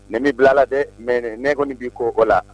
Mɛmi bila la dɛ mɛ ne kɔni b'i koko la